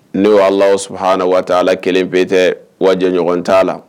Newa hana waati la kelen bɛ tɛ wa ɲɔgɔn t' la